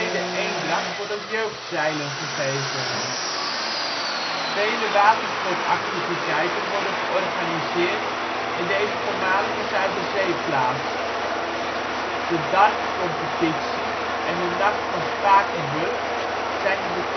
De Eendracht ' wordt ook jeugdzeilen gegeven. Vele watersportactiviteiten worden georganiseerd in deze voormalige Zuiderzeeplaats. De DARP-competitie en de Nacht van Spakenburg zijn de